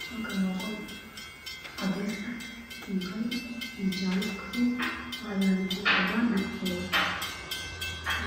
Halkaan waa qol cadays ah iyo qalin iyo jaalle iyo kafay waxaa yaalo jiif cadaan iyo kafay ah.